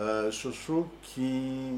Ɛɛ soso kin